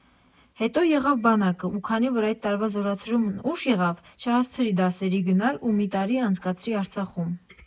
Հետո եղավ բանակը, ու քանի որ այդ տարվա զորացրումն ուշ եղավ, չհասցրի դասերի գնալ ու մի տարի անցկացրի Արցախում։